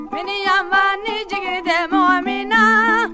miniyanba ni jigi tɛ mɔgɔ min na